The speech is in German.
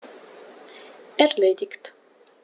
Erledigt.